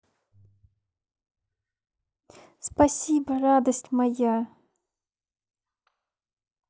спасибо радость моя